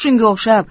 shunga o'xshab